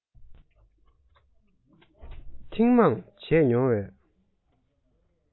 ཐེངས མང བྱས མྱོང བས